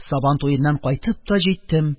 Сабан туеннан кайтып та җиттем,